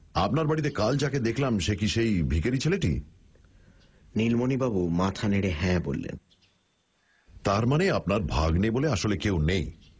আপনার বাড়িতে কাল যাকে দেখলাম সে কি সেই ভিখারি ছেলেটি নীলমণিবাবু মাথা নেড়ে হ্যাঁ বললেন তার মানে আপনার ভাগনে বলে আসলে কেউ নেই